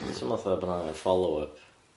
Teimlo 'tha bo n'w angan follow up?